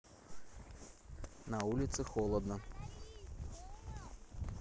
на улице холодно